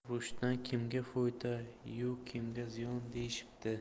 urushdan kimga foyda yu kimga ziyon deyishibdi